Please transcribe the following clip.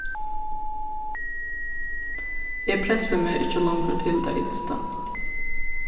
eg pressi meg ikki longur til tað ytsta